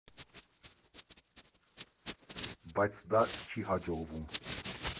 Բայց դա չի հաջողվում։